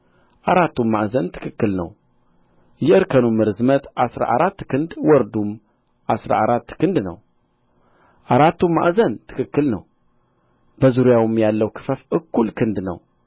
አራቱም ማዕዘን ትክክል ነው የእርከኑም ርዝመት አሥራ አራት ክንድ ወርዱም አሥራ አራት ክንድ ነው አራቱም ማዕዘን ትክክል ነው በዙሪያውም ያለው ክፈፍ እኩል ክንድ ነው